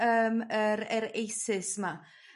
yym yr yr ISIS 'ma